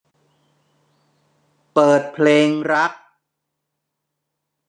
เปิดเพลงรัก